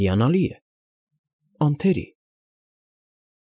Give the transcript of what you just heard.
Հիանալի է։ Անթերի։